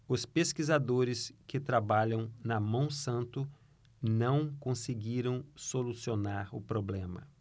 os pesquisadores que trabalham na monsanto não conseguiram solucionar o problema